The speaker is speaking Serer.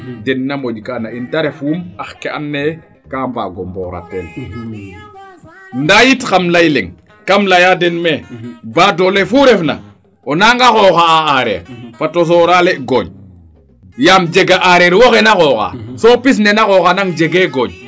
den na moƴkaa na in te ref wum ax ke and naye ga mbaago mboora teel ndaa yit xam ley leŋ kam leya den mee badole fo ref na o naanga xooxa areer fato soorale gooñ yaam jega areer wo fe na xooxa so pisne na xoxanang jege gooñ